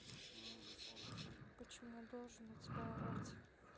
почему я должен на тебя орать